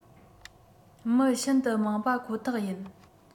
མི ཤིན ཏུ མང པ ཁོ ཐག ཡིན